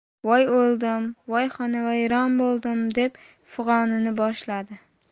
voy o'ldim voy xonavayron bo'ldim deb fig'onini boshladi